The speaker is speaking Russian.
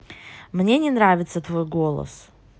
мне не нравится твой голос